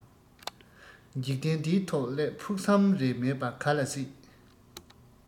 འཇིག རྟེན འདིའི ཐོག སླེབས ཕུགས བསམ རེ མེད པ ག ལ སྲིད